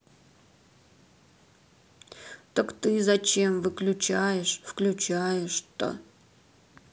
так ты зачем выключаешь включаешь то